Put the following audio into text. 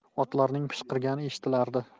otlarning pishqirgani eshitilardi